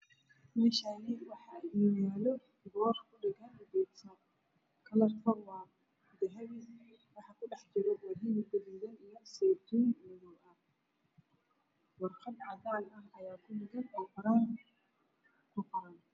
Meshaani waxaa inoo yala boor ku dhegsan biidso kalarkoodu waa dahabi waxaa ku dhex jiran waa hilin gaduudan iyo seytuun madoow ah warqad cadan ah ayaa ku dhegan qalin ku qoran